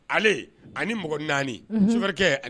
Ale ani mɔgɔ naanikɛ